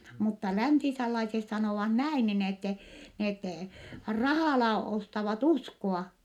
mutta läntisenlaisessa sanovat näin niin että ne rahalla ostavat uskoa